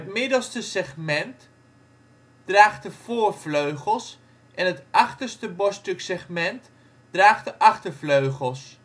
middelste segment draagt de voorvleugels en het achterste borststuksegment draagt de achtervleugels